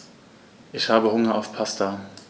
Ich habe Hunger auf Pasta.